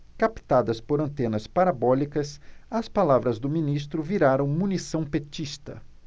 captadas por antenas parabólicas as palavras do ministro viraram munição petista